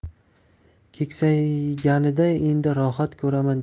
keksayganida endi rohat ko'raman